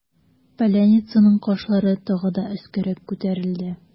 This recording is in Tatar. Поляницаның кашлары тагы да өскәрәк күтәрелде.